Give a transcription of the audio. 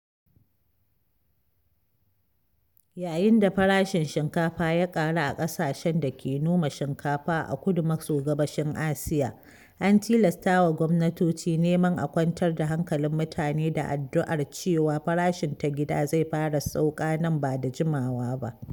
Yayin da farashin shinkafa ya ƙaru a ƙasashen da ke noma shinkafa a kudu maso gabashin Asiya, an tilastawa gwamnatoci neman a kwantar da hankalin mutane da addu’ar cewa farashin ta gida zai fara sauƙa nan ba da jimawa ba.